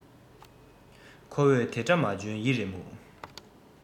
ཁོ བོས དེ འདྲ མ འཇོན ཡིད རེ རྨུགས